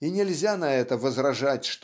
и нельзя на это возражать